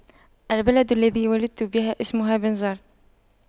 البلد الذي ولدت بها اسمها بنزرت